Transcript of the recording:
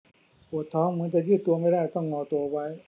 ปวดท้องเหมือนจะยืดตัวไม่ได้ต้องงอตัวไว้